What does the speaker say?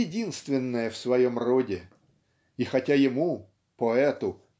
единственное в своем роде. И хотя ему поэту